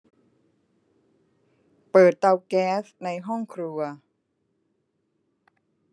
เปิดเตาแก๊สในห้องครัว